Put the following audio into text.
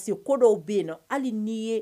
Parce que ko dɔw bɛ yen na hali n'i ye